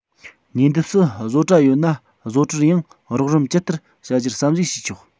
ཉེ འདབས སུ བཟོ གྲྭ ཡོད ན བཟོ གྲྭར ཡང རོགས རམ ཇི ལྟར བྱ རྒྱུར བསམ གཞིགས བྱས ཆོག